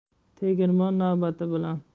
tegirmon navbati bilan